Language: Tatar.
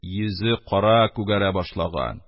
Йөзе кара күгәрә башлаган,